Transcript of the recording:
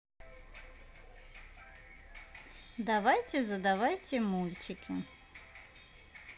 давайте задавайте мультики